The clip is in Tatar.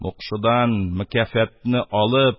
Мукшыдан мөкяфәтне алып,